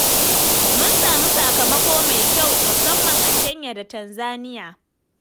Mun samu sakamako mai kyau, musamman a Kenya da Tanzania.